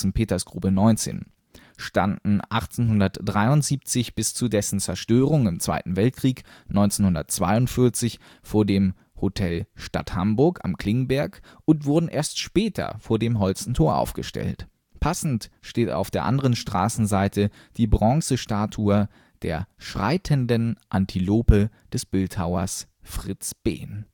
Petersgrube 19, standen 1873 bis zu dessen Zerstörung im Zweiten Weltkrieg 1942 vor dem Hotel Stadt Hamburg am Klingenberg und wurden erst später vor dem Holstentor aufgestellt. Passend steht auf der anderen Straßenseite die Bronzestatue der Schreitenden Antilope des Bildhauers Fritz Behn